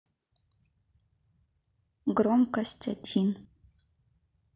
громкость один